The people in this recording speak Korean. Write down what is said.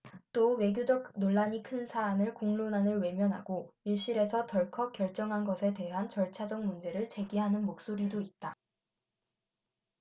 또 외교적 논란이 큰 사안을 공론화를 외면하고 밀실에서 덜컥 결정한 것에 대한 절차적 문제를 제기하는 목소리도 있다